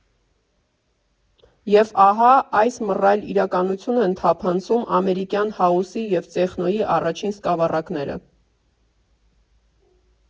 Եվ ահա այս մռայլ իրականություն են թափանցում ամերիկյան հաուսի և տեխնոյի առաջին սկավառակները։